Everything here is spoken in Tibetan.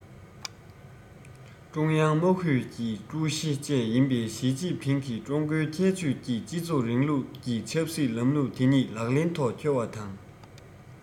ཀྲུང དབྱང དམག ཨུད ཀྱི ཀྲུའུ ཞི བཅས ཡིན པའི ཞིས ཅིན ཕིང གིས ཀྲུང གོའི ཁྱད ཆོས ཀྱི སྤྱི ཚོགས རིང ལུགས ཀྱི ཆབ སྲིད ལམ ལུགས དེ ཉིད ལག ལེན ཐོག འཁྱོལ བ དང